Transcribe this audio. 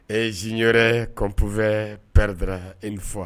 Ee zyɛrɛ kɔnpɛ pɛredra e fɔ